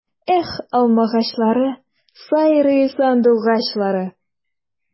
Эх, алмагачлары, сайрый сандугачлары!